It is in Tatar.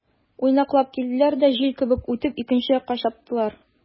Уйнаклап килделәр дә, җил кебек үтеп, икенче якка чаптылар.